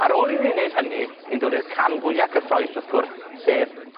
Ar ôl i ni neud hynny ni'n dod i'r cam fwya cyffrous wrth gwrs sef